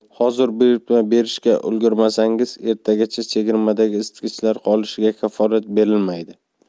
hozir buyurtma berishga ulgurmasangiz ertagacha chegirmadagi isitgichlar qolishiga kafolat berilmaydi